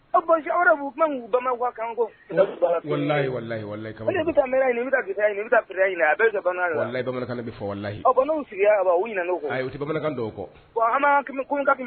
Bama a bɛkan bɛla a sigira ɲini tikan dɔw kɔ